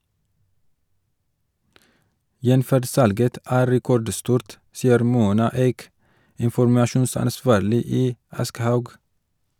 "Gjenferd-salget" er rekordstort, sier Mona Ek, informasjonsansvarlig i Aschehoug.